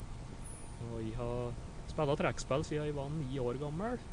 Og jeg har spella trekkspill sia jeg var ni år gammel.